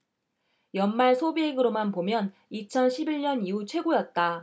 연말 소비액으로만 보면 이천 십 일 년 이후 최고였다